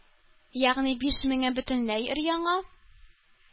Ягъни биш меңе бөтенләй өр-яңа,